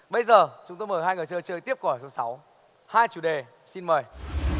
bây giờ chúng tôi mời hai người chơi chơi tiếp câu hỏi số sáu hai chủ đề xin mời